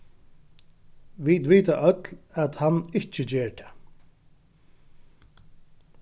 vit vita øll at hann ikki ger tað